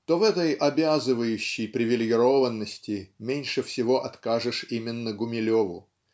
то в этой обязывающей привилегированности меньше всего откажешь именно Гумилеву.